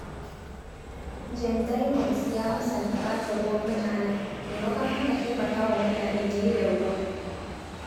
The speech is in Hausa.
Gem Diamonds ya musanta ɓata ruwan mutanen, maimakon haka taimaka wa mutanen ya yi da ruwa.